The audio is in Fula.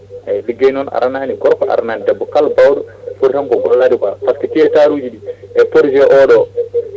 eyyi ligguey noon arani gorko aranani debbo kala bawɗo footi tan ko gollade quoi par ce que théâtre aju ɗi e projet oɗo